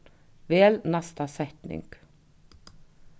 vel næsta setning